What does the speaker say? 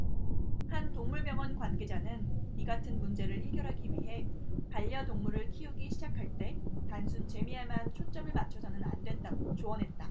한 동물병원 관계자는 이같은 문제를 해결하기 위해 반려동물을 키우기 시작할 때 단순 재미에만 초점을 맞춰서는 안된다고 조언했다